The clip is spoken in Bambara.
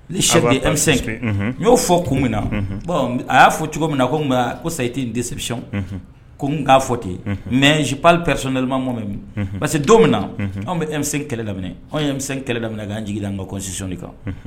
Ni sɛmi kɛ n y'o fɔ ko min na a y'a fɔ cogo min na ko nka ko sayi n de ko n k'a fɔ ten yen mɛ sipresililima mɔgɔ mɛn min parce que don min na anw bɛ e kɛlɛ laini anw kɛlɛ la ka'an jigila an ka kosini kan